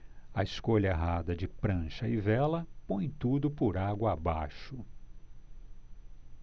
a escolha errada de prancha e vela põe tudo por água abaixo